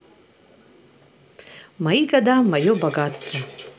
мои года мое богатство